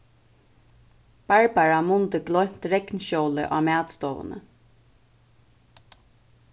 barbara mundi gloymt regnskjólið á matstovuni